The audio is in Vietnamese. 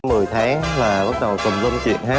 mười tháng là bắt đầu tùm lum chuyện hết